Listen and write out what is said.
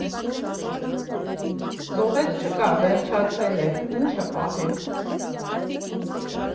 Սովետ չկա, վերջացել է, ի՞նչը պահենք։